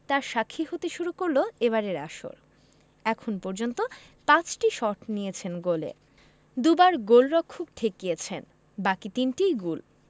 তার সাক্ষী হতে শুরু করল এবারের আসর এখন পর্যন্ত ৫টি শট নিয়েছেন গোলে দুবার গোলরক্ষক ঠেকিয়েছেন বাকি তিনটিই গোল